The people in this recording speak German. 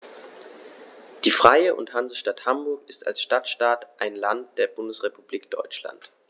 Die Freie und Hansestadt Hamburg ist als Stadtstaat ein Land der Bundesrepublik Deutschland.